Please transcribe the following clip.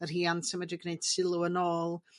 Y rhiant yn medru gneud sylw yn ôl.